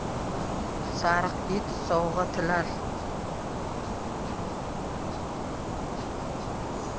sariq it sovg'a tilar